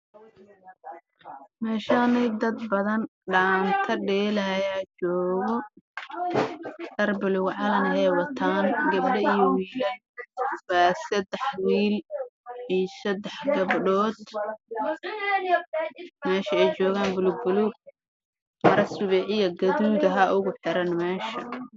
Meeshaan waxaa ka muuqdo dad dhaanto dheelaayo